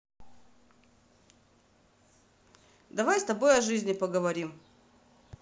давай с тобой о жизни поговорим